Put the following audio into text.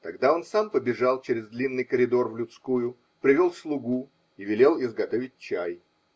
тогда он сам побежал через длинный коридор в людскую, привел слугу и велел изготовить чай.